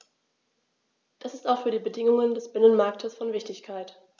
Das ist auch für die Bedingungen des Binnenmarktes von Wichtigkeit.